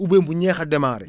oubien mu yéex a démarré